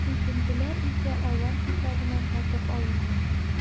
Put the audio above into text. Үсентеләр исә алар хисабына сатып алынган.